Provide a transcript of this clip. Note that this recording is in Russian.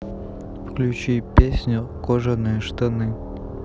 включи песню кожаные штаны